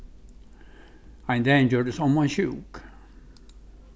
ein dagin gjørdist omman sjúk